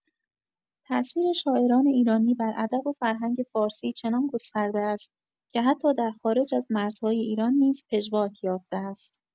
تاثیر شاعران ایرانی بر ادب و فرهنگ فارسی چنان گسترده است که حتی در خارج از مرزهای ایران نیز پژواک یافته است.